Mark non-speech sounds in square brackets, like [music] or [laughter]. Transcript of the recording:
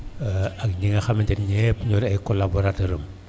[hesitation] ak ñi nga xamante ne ñëpp ñoo di ay collaborateurs am